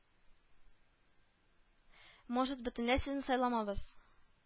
Может, бөтенләй сезне сайламабыз